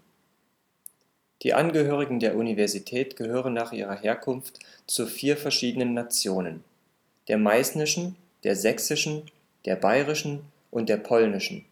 Die Angehörigen der Universität gehörten nach ihrer Herkunft zu vier verschiedenen Nationen: der meißnischen, der sächsischen, der bayrischen und der polnischen